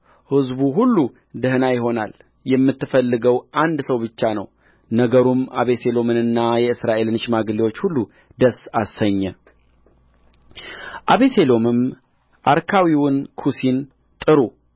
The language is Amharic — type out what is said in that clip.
ሕዝቡ ሁሉ ደኅና ይሆናል የምትፈልገው አንድ ሰው ብቻ ነው ነገሩም አቤሴሎምንና የእስራኤልን ሽማግሌዎች ሁሉ ደስ አሰኘ አቤሴሎምም አርካዊውን ኩሲን ጥሩ